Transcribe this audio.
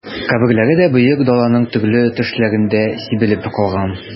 Каберләре дә Бөек Даланың төрле төшләрендә сибелеп калган...